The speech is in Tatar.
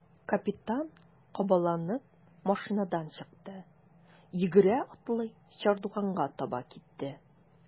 Капитан кабаланып машинадан чыкты, йөгерә-атлый чардуганга таба китте.